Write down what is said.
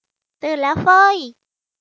ตื่นแล้วเฟ้ย